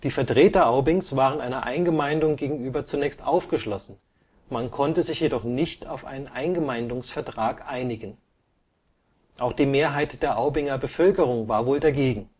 Vertreter Aubings waren einer Eingemeindung gegenüber zunächst aufgeschlossen, man konnte sich jedoch nicht auf einen Eingemeindungsvertrag einigen. Auch die Mehrheit der Aubinger Bevölkerung war wohl dagegen